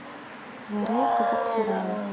Гәрәй кызыктыра.